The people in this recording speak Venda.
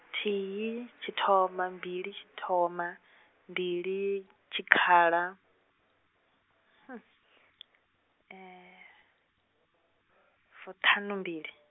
nthihi, tshithoma mbili tshithoma, mbili tshikhala, fuṱhanumbili.